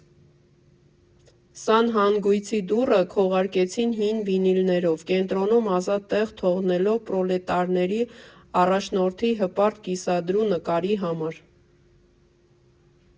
Սանհանգույցի դուռը քողարկեցին հին վինիլներով՝ կենտրոնում ազատ տեղ թողնելով պրոլետարների առաջնորդի հպարտ կիսանդրու նկարի համար։